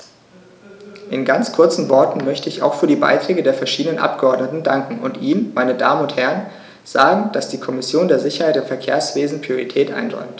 In ganz kurzen Worten möchte ich auch für die Beiträge der verschiedenen Abgeordneten danken und Ihnen, meine Damen und Herren, sagen, dass die Kommission der Sicherheit im Verkehrswesen Priorität einräumt.